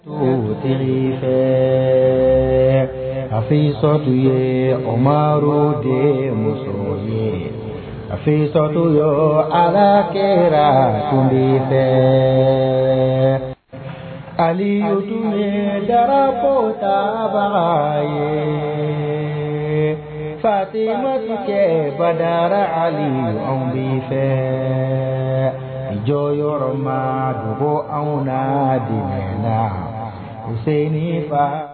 A fsɔtu ye o maro de muso ye a fsɔ to ye a la kɛra tile fɛ haliyara ko saba ye fatiba kɛ badayarara min fɛ jɔn ma dogo an na di mu seni fa